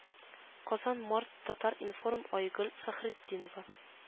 Казан март татар-информ айгөл фәхретдинова